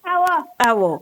Aw aw